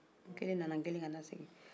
n kelen nana n kelen kana segin